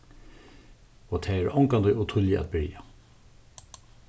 og tað er ongantíð ov tíðliga at byrja